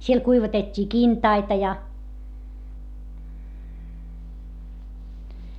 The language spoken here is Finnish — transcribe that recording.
siellä kuivatettiin kintaita ja